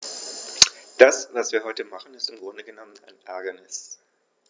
Das, was wir heute machen, ist im Grunde genommen ein Ärgernis.